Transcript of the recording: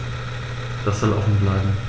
Das soll offen bleiben.